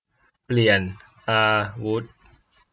เปลี่ยนอาวุธ